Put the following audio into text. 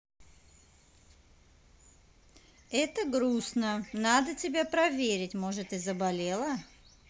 это грустно надо тебя проверить может ты заболела